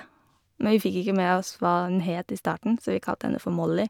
Men vi fikk ikke med oss hva hun het i starten, så vi kalte henne for Molly.